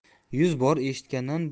yuz bor eshitgandan